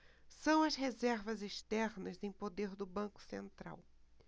são as reservas externas em poder do banco central